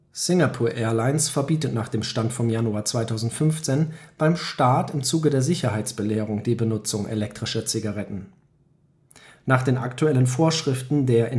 Singapore Airlines verbietet aktuell (Januar 2015) beim Start im Zuge der Sicherheitsbelehrung die Benutzung elektrischer Zigaretten. Nach den aktuellen Vorschriften der